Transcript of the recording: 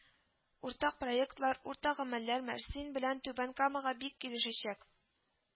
Уртак проектлар, уртак гамәлләр Мәрсин белән Түбән Камага бик килешәчәк